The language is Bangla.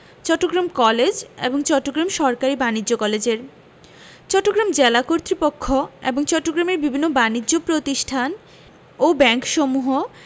চট্টগ্রাম কলেজ এবং চট্টগ্রাম সরকারি বাণিজ্য কলেজের চট্টগ্রাম জেলা কর্তৃপক্ষ এবং চট্টগ্রামের বিবিন্ন বানিজ্য প্রতিষ্ঠান ও ব্যাংকসমূহ